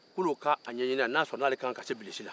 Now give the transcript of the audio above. k'oluw ka a ɲɛɲini n'ale bɛ se bilisi la